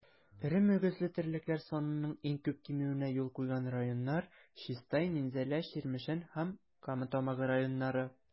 Эре мөгезле терлекләр санының иң күп кимүенә юл куйган районнар - Чистай, Минзәлә, Чирмешән һәм Кама Тамагы районнары.